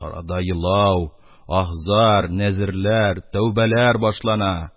Арада елау, аһ-зар, нәзерләр, тәүбәләр башлана.